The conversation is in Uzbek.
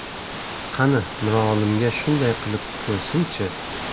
qani mirolimga shunday qilib ko'rsin chi